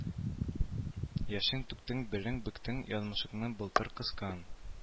Яшең түктең билең бөктең язмышыңны былтыр кыскан